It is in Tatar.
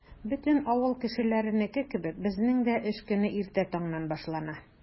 Бөтен авыл кешеләренеке кебек, безнең дә эш көне иртә таңнан башлана.